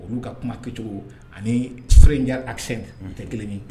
Olu ka kuma kocogo ani sira in jara asɛ tɛ kelen